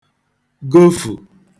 gofụ̀